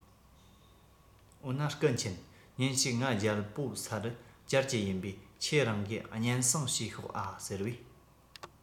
འོ ན སྐུ མཁྱེན ཉིན ཞིག ང རྒྱལ པོའོ སར བཅར གྱི ཡིན པས ཁྱེད རང གིས སྙན གསེང ཞུས ཤོག ཨྰ ཟེར བས